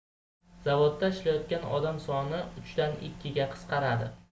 zavodda ishlayotgan odam soni uchdan ikkiga qisqaradi